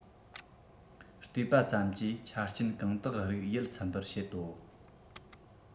བལྟས པ ཙམ གྱིས ཆ རྐྱེན གང དག རིགས ཡིད ཚིམ པར བྱེད དོ